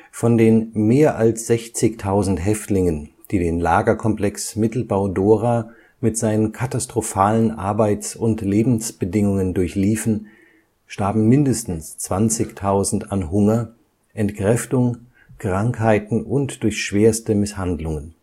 Von den mehr als 60.000 Häftlingen, die den Lagerkomplex Mittelbau-Dora mit seinen katastrophalen Arbeits - und Lebensbedingungen durchliefen, starben mindestens 20.000 an Hunger, Entkräftung, Krankheiten und durch schwerste Misshandlungen